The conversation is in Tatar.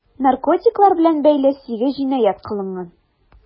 Наркотиклар белән бәйле 8 җинаять кылынган.